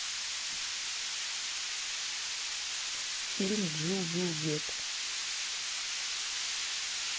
фильм джилл был дед